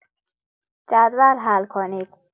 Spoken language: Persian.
جدول حل کنید!